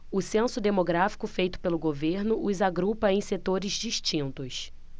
o censo demográfico feito pelo governo os agrupa em setores distintos